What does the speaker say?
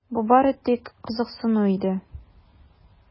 Бу бары тик кызыксыну иде.